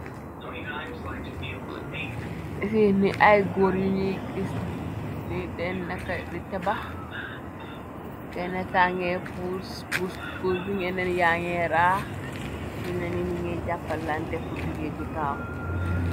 Fi ni ay góor yiñuy gis ni dennka di tabax, kenna kange puss puspus bi , ngenan yangi raax , ñena ni ningay jàppal lante bu liggée bi kaaw.